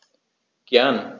Gern.